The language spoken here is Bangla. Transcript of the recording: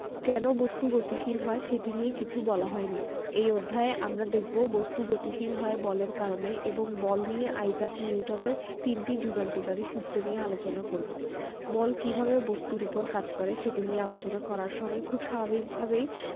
কেন বস্তু গতিশীল হয় সেটি নিয়ে কিছু বলা হয়নি এই অধ্যায়ে আমরা দেখব বস্তু গতিশীল হয় বলের কারণে এবং বল নিয়ে আইজাক নিউটনের তিনটি যুগান্তকারী সূত্র নিয়ে আলোচনা করব বল কীভাবে বস্তুর উপর কাজ করে সেটি নিয়ে আলোচনা করার সময় খুব স্বাভাবিকভাবেই